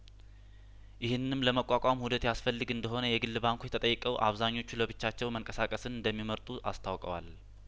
ይህንንም ለመቋቋም ውህደት ያስፈልግ እንደሆን የግል ባንኮች ተጠይቀው አብዛኞቹ ለብቻቸው መንቀሳቀስን እንደሚመርጡ አስታውቀዋል